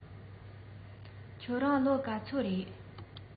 ཁྱེད རང ལོ ག ཚོད རེས